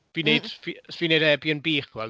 Fi'n wneud... mm. ...fi fi'n wneud Airbnb chi'n gweld.